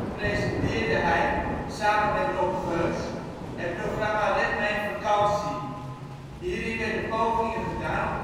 presenteerde hij, samen met Rob Geus, het programma " Red Mijn Vakantie! ". Hierin werden pogingen gedaan